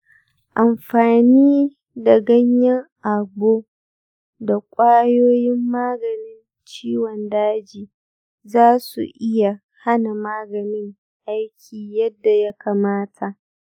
amfani da ganyen agbo da kwayoyin maganin ciwon daji zasu iya hana maganin aiki yadda ya kamata.